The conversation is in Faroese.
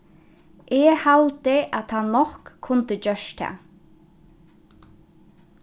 eg haldi at hann nokk kundi gjørt tað